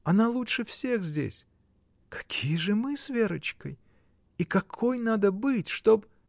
Она лучше всех здесь: какие же мы с Верочкой! и какой надо быть, чтоб.